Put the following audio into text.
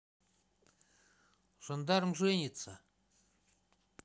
жандарм женится